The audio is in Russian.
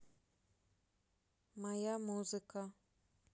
моя музыка